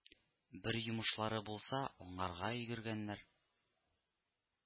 Бер йомышлары булса аңарга йөгергәннәр